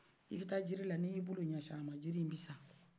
i bɛ taa jirila n'i y'i bolo ɲɛsin a ma jiri in bɛ sa